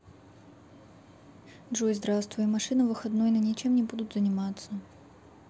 джой здравствуй машина выходной на ничем не будут заниматься